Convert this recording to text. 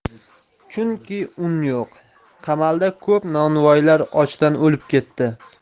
chunki un yo'q qamalda ko'p novvoylar ochdan o'lib ketdi